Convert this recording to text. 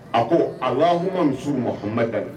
A ko